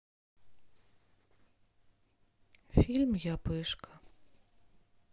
фильм я пышка